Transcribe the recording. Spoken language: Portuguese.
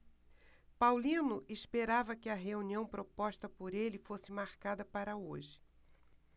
paulino esperava que a reunião proposta por ele fosse marcada para hoje